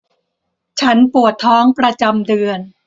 ฉันปวดท้องประจำเดือน